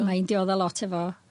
...mae'n diodda lot hefo